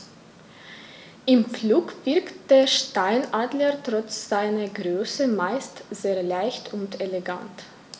Im Flug wirkt der Steinadler trotz seiner Größe meist sehr leicht und elegant.